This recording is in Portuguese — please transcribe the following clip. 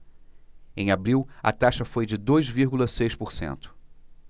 em abril a taxa foi de dois vírgula seis por cento